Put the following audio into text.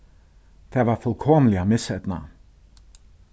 tað var fullkomiliga miseydnað